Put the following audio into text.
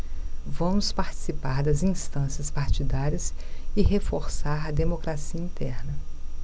vamos participar das instâncias partidárias e reforçar a democracia interna